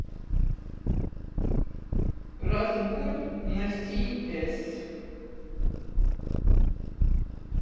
разбор на cs